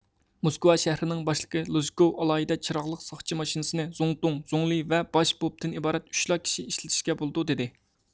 موسكۋا شەھىرىنىڭ باشلىقى لۇژكوۋ ئالاھىدە چىراغلىق ساقچى ماشىنىسىنى زۇڭتۇڭ زۇڭلى ۋە باش پوپتىن ئىبارەت ئۈچلا كىشى ئىشلىتىشكە بولىدۇ دېدى